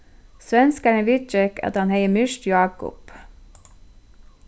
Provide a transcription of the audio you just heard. svenskarin viðgekk at hann hevði myrt jákup